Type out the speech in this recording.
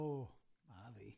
O, a fi.